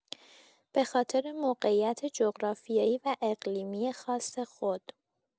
به‌خاطر موقعیت جغرافیایی و اقلیمی خاص خود